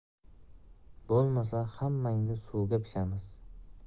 bo'lmasa hammangni suvga pishamiz